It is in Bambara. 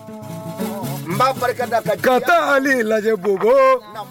N b'a barika da ka tonton Ali lajɛ Bobo nam